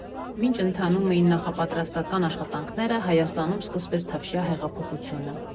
Մինչ ընթանում էին նախապատրաստական աշխատանքները, Հայաստանում սկսվեց Թավշյա հեղափոխությունը։